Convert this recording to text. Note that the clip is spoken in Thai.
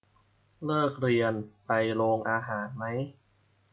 เลิกเรียนไปโรงอาหารมั้ย